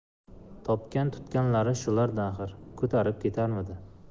topgan tutganlari shular da axir ko'tarib ketarmidi